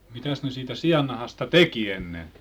mitäs ne siitä siannahasta teki ennen